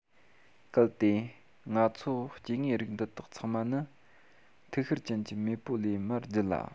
གལ ཏེ ང ཚོ སྐྱེ དངོས རིགས འདི དག ཚང མ ནི ཐིག ཤར ཅན གྱི མེས པོ ལས མར བརྒྱུད ལ